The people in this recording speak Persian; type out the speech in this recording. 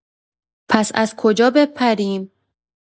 پس از کجا بپریم؟